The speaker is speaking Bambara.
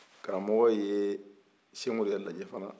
karamɔgɔ ye a ye sɛki umaru y'a lajɛ fana